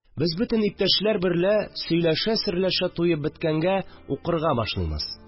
Без, бөтен иптәшләр берлә сөйләшә-серләшә туеп беткәнгә, укырга башлыймыз